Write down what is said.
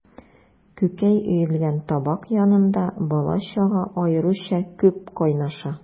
Күкәй өелгән табак янында бала-чага аеруча күп кайнаша.